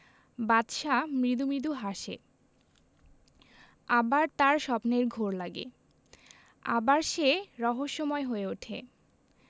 বাদশা মৃদু মৃদু হাসে আবার তার স্বপ্নের ঘোর লাগে আবার সে রহস্যময় হয়ে উঠে